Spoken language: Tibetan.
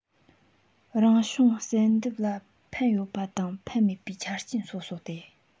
རང བྱུང བསལ འདེམས ལ ཕན ཡོད པ དང ཕན མེད པའི ཆ རྐྱེན སོ སོ སྟེ